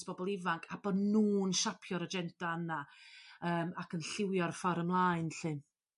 boblo ifanc a bo nw'n siapio'r agenda yna yym ac yn lliwio'r ffor ymlaen lly.